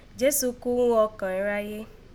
Jesu kú ghún ọkàn iráyé